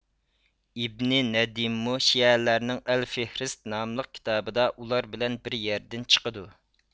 ئىبنى نەدىيم مۇ شىئەلەرنىڭ ئەلفىھرىست ناملىق كىتابىدا ئۇلار بىلەن بىر يەردىن چىقىدۇ